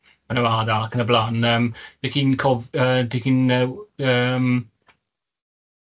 yn yr ardal ac yn y blaen, yym, ych chi'n cof- yy dych chi'n y yym